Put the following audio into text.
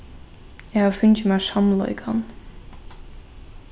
eg havi fingið mær samleikan